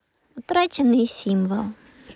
утраченный символ